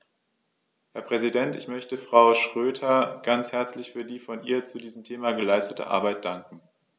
Herr Präsident, ich möchte Frau Schroedter ganz herzlich für die von ihr zu diesem Thema geleistete Arbeit danken.